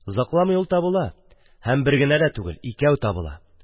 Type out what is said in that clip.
Озакламый ул табыла, һәм бер генә дә түгел, икәү табыла.